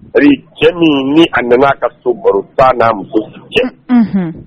Ayiri cɛ min ni a nana a ka so barobana mɔgɔw cɛ